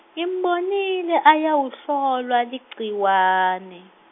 ngimbonile ayawuhlolwa ligciwane.